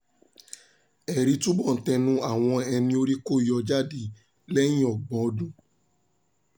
Ẹ̀rí túbọ̀ ń tẹnu àwọn ẹni-orí-kó-yọ jáde lẹ́yìn ọgbọ̀n ọdún.